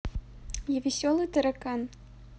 я веселый таракан